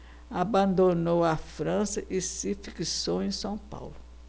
abandonou a frança e se fixou em são paulo